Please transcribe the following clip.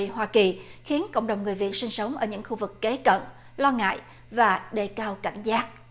hoa kỳ khiến cộng đồng người việt sinh sống ở những khu vực kế cận lo ngại và đề cao cảnh giác